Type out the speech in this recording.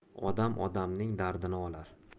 odam odamning dardini olar